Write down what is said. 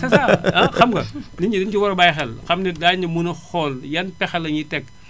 c' est ça nit ñi dañu si war a bàyyi xel xam ne daañu mën a xool yan pexe la ñuy teg